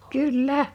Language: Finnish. kyllä